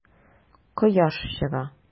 Кояш чыга.